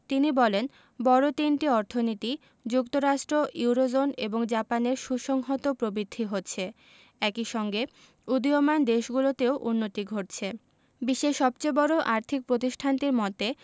তিনি বলেন বড় তিনটি অর্থনীতি যুক্তরাষ্ট্র ইউরোজোন এবং জাপানের সুসংহত প্রবৃদ্ধি হচ্ছে একই সঙ্গে উদীয়মান দেশগুলোতেও উন্নতি ঘটছে বিশ্বের সবচেয়ে বড় আর্থিক প্রতিষ্ঠানটির মতে